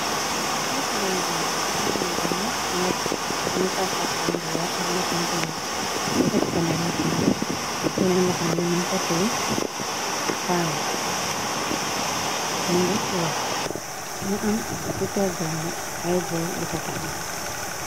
presiden yi gande bi aalama bara mi ngi taxu yinu safxaftànduwe ak mbax na bawee yekati beneen loxambe mën pati kaame mi ngi wax mu am ci pergambe ay góor ir fa taxal